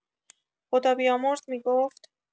خدابیامرز می‌گفت